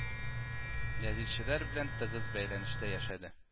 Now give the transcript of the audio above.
Гәзитчеләр белән тыгыз бәйләнештә яшәде